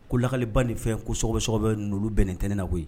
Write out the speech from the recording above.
Ko lakaliba ni fɛn ko sɔkɔbɛ-sɔkɔbɛ ninnu olu bɛnnen tɛ ne na koyi